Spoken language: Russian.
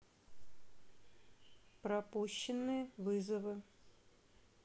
пропущенные вызовы